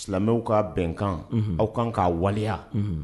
Silamɛw ka bɛnkan aw kan k'a waliya